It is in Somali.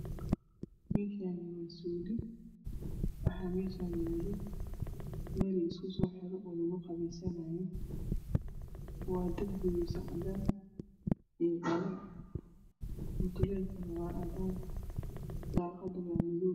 Meshani waa suli waxa meshan yalo mellasku soxiro oo laku qubeysanayo waa dirbigis cadan io dhalo mutulelkan waa cadan daqad waa madow